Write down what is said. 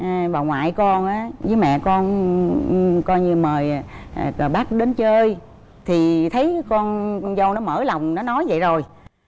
à bà ngoại con á dới mẹ con ư ư coi như mời bác đến chơi thì thấy con dâu nó mở lòng nó nói dậy rồi